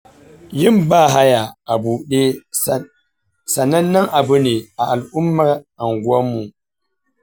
yin bahaya a buɗe sanannen abu ne a al'ummar anguwarmu.